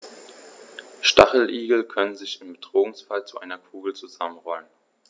Stacheligel können sich im Bedrohungsfall zu einer Kugel zusammenrollen.